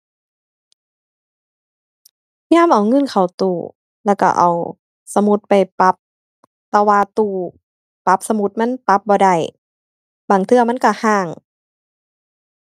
ยามเอาเงินเข้าตู้ แล้วก็เอาสมุดไปปรับ แต่ว่าตู้ปรับสมุดมันปรับบ่ได้ บางเทื่อมันก็ก็